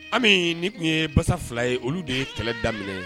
Ami nin tun ye basa fila ye olu de ye kɛlɛ da minɛ